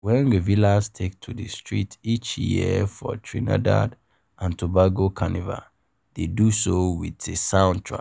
When revelers take to the streets each year for Trinidad and Tobago Carnival, they do so with a soundtrack.